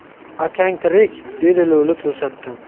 akang tirek dedi lo'li to'satdan